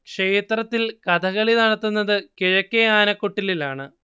ക്ഷേത്രത്തിൽ കഥകളി നടത്തുന്നത് കിഴക്കേ ആനക്കൊട്ടിലിലാണ്